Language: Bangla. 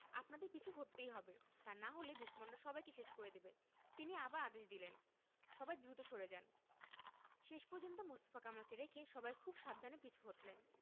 আপনাদের পিছু হটতেই হবে তা না হলে দুশমনরা সবাইকে শেষ করে দেবে তিনি আবার আদেশ দিলেন সবাই দ্রুত সরে যান শেষ পর্যন্ত মোস্তফা কামালকে রেখে সবাই খুব সাবধানে পিছু হটলেন